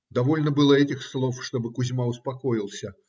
Довольно было этих слов, чтобы Кузьма успокоился.